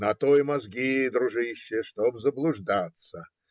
на то и мозги, дружище, чтобы заблуждаться.